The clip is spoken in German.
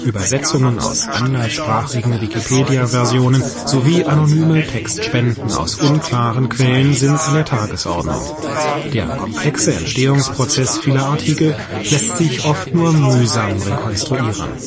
Übersetzungen aus anderssprachigen Wikipedia-Versionen sowie anonyme Textspenden aus unklaren Quellen sind an der Tagesordnung. Der komplexe Entstehungsprozess vieler Artikel lässt sich oft nur mühsam rekonstruieren